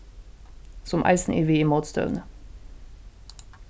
sum eisini er við í mótstøðuni